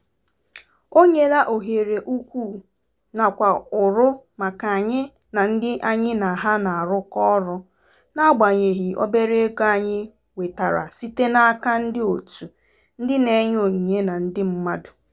O nyela ohere ukwuu nakwa ụrụ maka anyị na ndị anyị na ha na-arụkọ ọrụ, n'agbanyeghị obere ego anyị nwetara site n'aka ndịòtù ndị na-enye onyinye na ndị mmadụ.